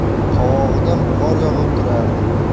qovog'idan qor yog'ib turardi